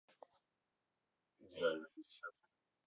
идеальная десятка